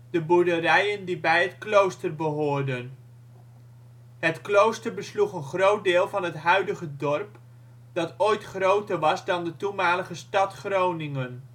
de boerderijen die bij het klooster behoorden. Het klooster besloeg een groot deel van het huidige dorp, dat ooit groter was dan de toenmalige stad Groningen